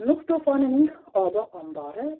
nuh to'fonining obi ombori